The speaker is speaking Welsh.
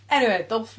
Eniwe dolphin.